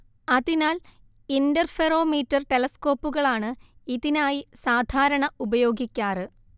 അതിനാൽ ഇന്റർഫെറൊമീറ്റർ ടെലസ്കോപ്പുകളാണ് ഇതിനായി സാധാരണ ഉപയോഗിക്കാറ്